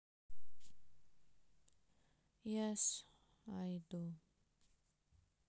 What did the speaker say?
ес ай ду